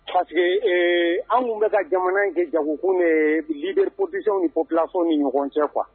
Pa que anw bɛ ka jamana in kɛ jagokun bibele pbisi ni plssow ni ɲɔgɔn cɛ kuwa